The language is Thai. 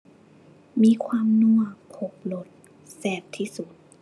มีความนัว ครบรส แซ่บที่สุด